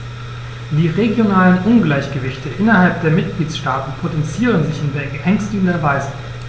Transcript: Die regionalen Ungleichgewichte innerhalb der Mitgliedstaaten potenzieren sich in beängstigender Weise.